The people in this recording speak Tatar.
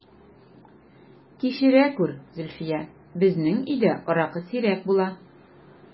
Кичерә күр, Зөлфия, безнең өйдә аракы сирәк була...